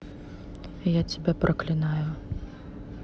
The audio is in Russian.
я тебя проклинаю